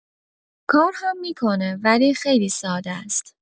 کار هم می‌کنه ولی خیلی ساده است.